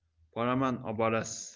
boraman oborasiz